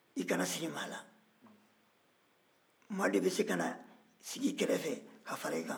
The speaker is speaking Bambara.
i kana siri maa na maa de bɛ se ka na sig'i kɛrɛfɛ ka fara i kan